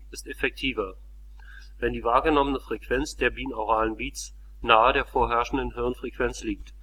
wahrgenommene Frequenz der binauralen Beats nahe der vorherrschenden Hirnfrequenz liegt